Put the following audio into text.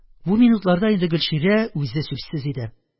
Бу минутларда инде Гөлчирә үзе сүзсез иде.